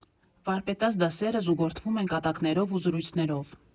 Վարպետաց դասերը զուգորդվում են կատակներով ու զրույցներով։